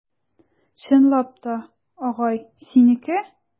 Чынлап та, агай, синеке?